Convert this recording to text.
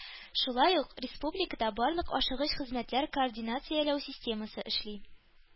Шулай ук республикада барлык ашыгыч хезмәтләр координацияләү системасы эшли.